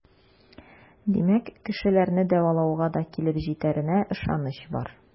Димәк, кешеләрне дәвалауга да килеп җитәренә ышаныч бар.